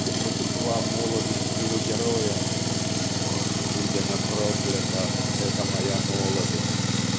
где протекла молодость его героя ("ах будь она проклята эта моя молодость!")